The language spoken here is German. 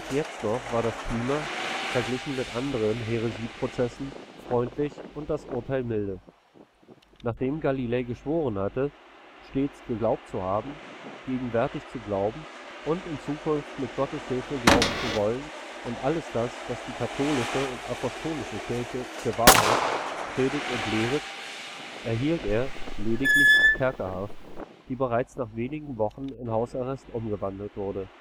jetzt noch war das Klima, verglichen mit anderen Häresieprozessen, freundlich und das Urteil milde. Nachdem Galilei geschworen hatte, „… stets geglaubt zu haben, gegenwärtig zu glauben und in Zukunft mit Gottes Hilfe glauben zu wollen alles das, was die katholische und apostolische Kirche für wahr hält, predigt und lehret “, erhielt er „ lediglich “Kerkerhaft, die bereits nach wenigen Wochen in Hausarrest umgewandelt wurde